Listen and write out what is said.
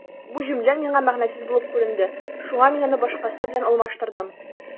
Бу җөмлә миңа мәгънәсез булып күренде, шуңа мин аны башкасы белән алмаштырдым.